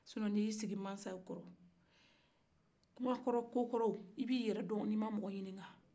nɔ tɛ ni i ye i sigi masaw kɔrɔ kuma kɔrɔ ko kɔrɔ i bɛ i yɛrɛ don ka sɔrɔ i ma mɔgɔ ɲini ka